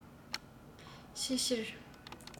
ཕྱི ཕྱིར